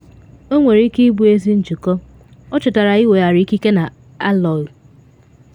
“Ọ nwere ike ịbụ ezi njikọ,” ọ chetere, ịweghara ikike na Alloa.